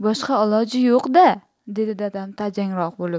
boshqa iloji yo'q da dedi dadam tajangroq bo'lib